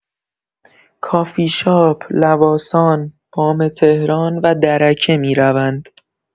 کافی‌شاپ، لواسان، بام تهران و درکه می‌روند.